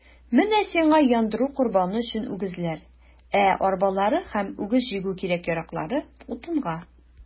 Менә сиңа яндыру корбаны өчен үгезләр, ә арбалары һәм үгез җигү кирәк-яраклары - утынга.